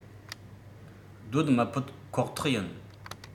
སྡོད མི ཕོད ཁོག ཐག ཡིན